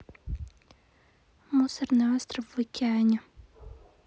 мусорный остров в океане